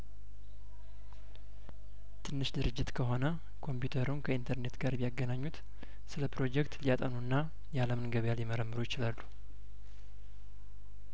ትንሽ ድርጅት ከሆነ ኮምፒውተሩን ከኢንተርኔት ጋር ቢያገናኙት ስለፕሮጀክት ሊያጠኑና የአለምን ገበያሊ መረምሩ ይችላሉ